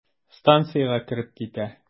Станциягә кереп китә.